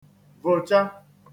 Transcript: vòcha